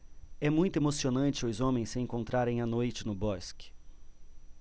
é muito emocionante os homens se encontrarem à noite no bosque